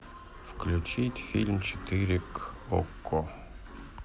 включить фильмы четыре к окко